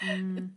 Hmm.